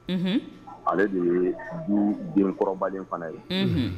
Un ale de ye denkɔrɔbaden fana ye